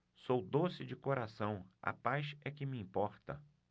sou doce de coração a paz é que me importa